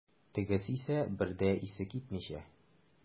Тегесе исә, бер дә исе китмичә.